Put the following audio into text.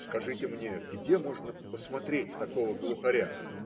- Скажите мне, где можно посмотреть такого глухаря?